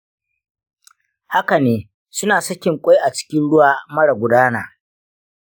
haka ne, suna sakin ƙwai a cikin ruwa mara gudana.